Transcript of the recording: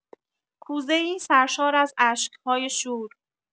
کوزه‌ای سرشار از اشک‌های شور